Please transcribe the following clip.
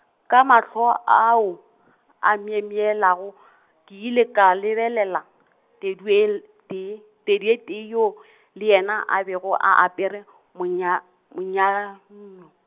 ka mahlo ao, a myemyelago , ke ile ka lebelela , Teduel- tee, Teduetee yoo , le yena a bego a apere, monya- monywanyo.